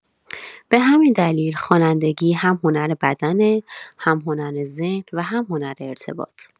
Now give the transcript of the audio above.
به همین دلیل، خوانندگی هم هنر بدنه، هم هنر ذهن و هم هنر ارتباط.